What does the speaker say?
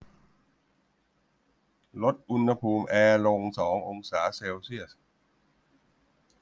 ลดอุณหภูมิแอร์ลงสององศาเซลเซียส